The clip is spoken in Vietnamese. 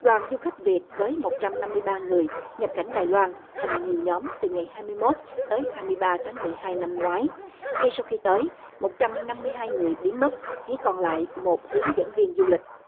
đoàn du khách việt với một trăm năm mươi ba người nhập cảnh đài loan thành nhiều nhóm từ ngày hai mươi mốt tới hai mươi ba tháng mười hai năm ngoái ngay sau khi tới một trăm năm mươi hai người biến mất chỉ còn lại một hướng dẫn viên du lịch